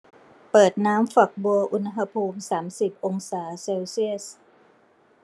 เปิดน้ำฝักบัวอุณหภูมิสามสิบองศาเซลเซียส